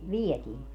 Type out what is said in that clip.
vietiin